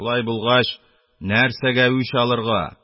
Шулай булгач, нәрсәгә үч алырга,